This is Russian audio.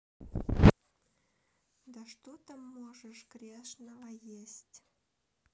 да что там можешь грешного есть